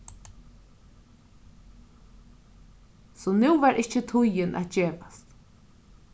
so nú var ikki tíðin at gevast